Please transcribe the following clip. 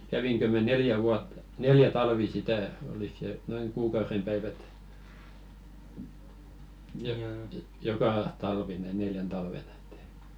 kävinkö minä neljä vuotta neljä talvea sitä oliko se noin kuukauden päivät - joka talvi - neljänä talvena että ei